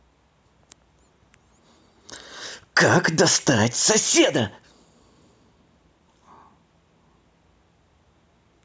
как достать соседа